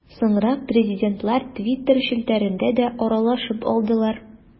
Соңрак президентлар Twitter челтәрендә дә аралашып алдылар.